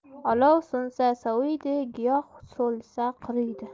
olov so'nsa soviydi giyoh so'lsa quriydi